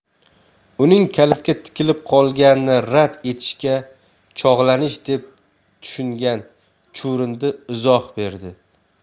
uning kalitga tikilib qolganini rad etishga chog'lanish deb tushungan chuvrindi izoh berdi